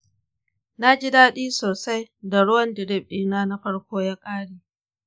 naji dadi sosai da ruwan drip dina na farko ya kare.